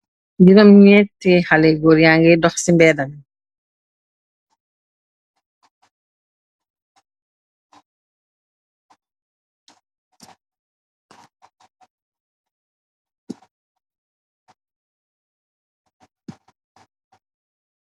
Juromñenti xaleh gór ya ngeh dox ci mbedabi.